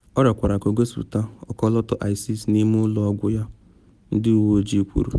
Ọ rịọkwara ka o gosipụta ọkọlọtọ ISIS n’ime ụlọ ọgwụ ya, ndị uwe ojii kwuru.